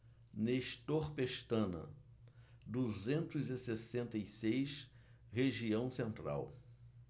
nestor pestana duzentos e sessenta e seis região central